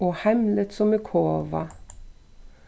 og heimligt sum í kova